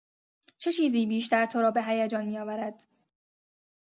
چه چیزی بیشتر تو را به هیجان می‌آورد؟